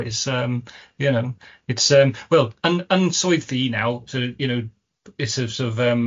It's yym you know it's yym wel yn yn swydd fi naw, so you know it's a sort of yym